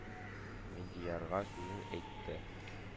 Миндиярга сүзен әйтте: